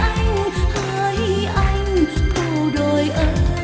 bộ đội ơi